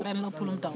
ren moo ëpp lu mu taw